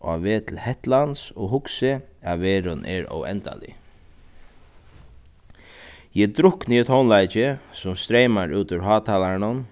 á veg til hetlands og hugsi at verðin er óendalig eg drukni í tónleiki sum streymar út úr hátalaranum